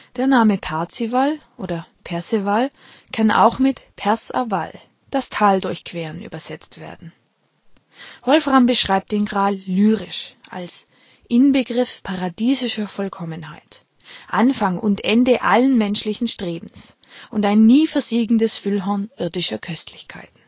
Der Name Parzival oder Perceval kann auch mit Perce à Val (das Tal durchqueren) übersetzt werden. Wolfram beschreibt den Gral lyrisch, als "... Inbegriff paradiesischer Vollkommenheit, Anfang und Ende allen menschlichen Strebens und ein nie versiegendes Füllhorn irdischer Köstlichkeiten